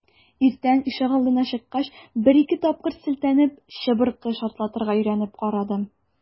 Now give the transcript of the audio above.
Иртән ишегалдына чыккач, бер-ике тапкыр селтәнеп, чыбыркы шартлатырга өйрәнеп карадым.